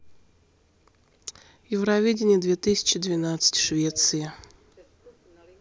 евровидение две тысячи двенадцать швеция